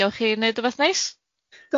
Gafoch chi neud wbath neis?